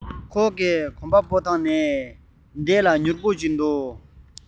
ཁོའི གོམ པ སྤོ སྟངས ནི བདེ ལ མྱུར